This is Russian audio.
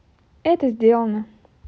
это сделано